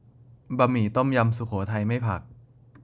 บะหมี่ต้มยำสุโขทัยไม่ผัก